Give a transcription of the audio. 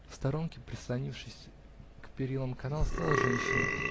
В сторонке, прислонившись к перилам канала, стояла женщина